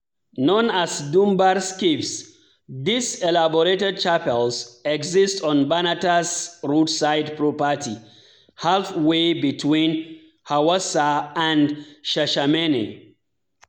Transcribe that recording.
Known as Dunbar Caves, these elaborate chapels exist on Banatah's roadside property halfway between Hawassa and Shashamene.